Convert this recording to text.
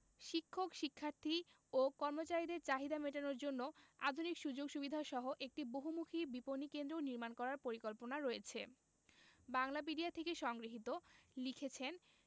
শিক্ষক শিক্ষার্থী ও কর্মচারীদের চাহিদা মেটানোর জন্য আধুনিক সুযোগ সুবিধাসহ একটি বহুমুখী বিপণি কেন্দ্রও নির্মাণ করার পরিকল্পনা রয়েছে বাংলাপিডিয়া থেকে সংগৃহীত লিখেছেনঃ